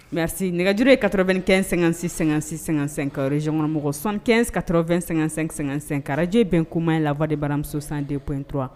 Mɛsi nɛgɛjurue ye kaoro2 kɛɛn--sɛ-sɛ--sɛ ka zgɔnmɔgɔ2ɛn ka2-2karajɛe bɛn kuma in lawale de baramusosan deptu